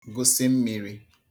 gụsi mmīrī